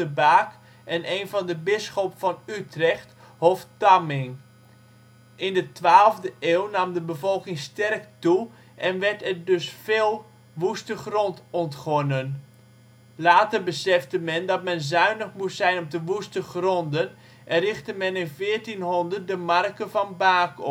Baak) en een van de bisschop van Utrecht (hof Tamming). In de 12e eeuw nam de bevolking sterk toe, en dus werd er veel woeste grond ontgonnen, later besefte men dat men zuinig moest zijn op de woeste gronden en richtte men in 1400 de Marke van Baak op